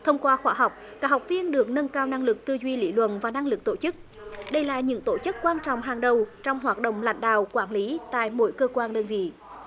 thông qua khoa học các học viên được nâng cao năng lực tư duy lý luận và năng lực tổ chức đây là những tổ chức quan trọng hàng đầu trong hoạt động lãnh đạo quản lý tại mỗi cơ quan đơn vị